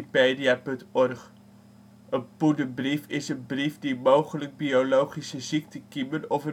Een poederbief is een brief die mogelijk biologische ziektekiemen of